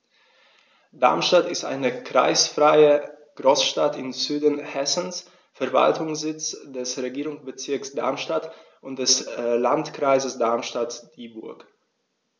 Darmstadt ist eine kreisfreie Großstadt im Süden Hessens, Verwaltungssitz des Regierungsbezirks Darmstadt und des Landkreises Darmstadt-Dieburg.